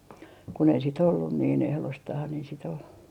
kun ei sitten ollut niin ehdostaan sitä oli